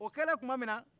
o kɛlen tuma min na